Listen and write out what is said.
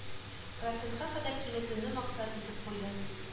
Процентка кадәр киметүне максат итеп куйды